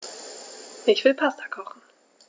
Ich will Pasta kochen.